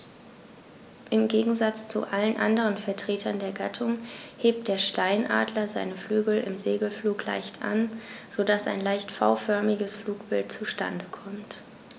Im Gegensatz zu allen anderen Vertretern der Gattung hebt der Steinadler seine Flügel im Segelflug leicht an, so dass ein leicht V-förmiges Flugbild zustande kommt.